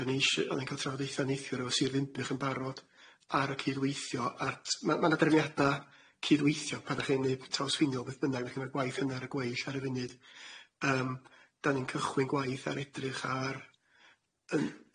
Do'n i eisie o'n i'n ca'l trafodaethe neithiwr efo Sir Ddinbych yn barod ar y cydweithio at ma' ma' na drefniada cydweithio pan o'ch chi'n neud trawsffiniol beth bynnag felly ma'r gwaith yna ar y gweill ar y funud yym do'n i'n cychwyn gwaith ar edrych ar yn